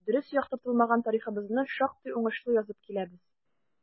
Дөрес яктыртылмаган тарихыбызны шактый уңышлы язып киләбез.